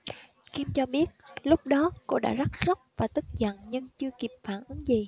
kim cho biết lúc đó cô đã rất sốc và tức giận nhưng chưa kịp phản ứng gì